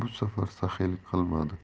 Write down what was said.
bu safar saxiylik qilmadi